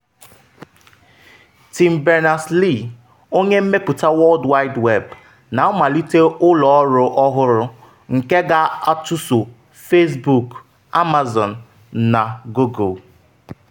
Tim Berners-Lee, onye mmepụta World Wide Web, na-amalite ụlọ ọrụ ọhụrụ nke ga-achụso Facebook, Amazon na Google.